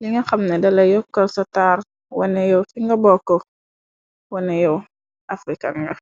li nga xamne dalai yokkal sa taar waneh yow fi nga bokk, wane yow afrikan nga.